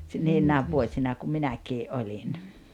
- niinä vuosina kun minäkin olin